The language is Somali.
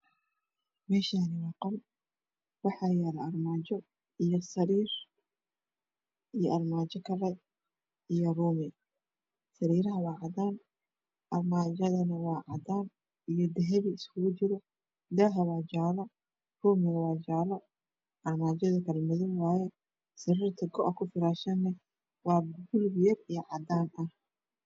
Meshani waa qol waxaa yala armajo iyo sariir iyo armajo kale iyo sarirtu waa jale dahbi jale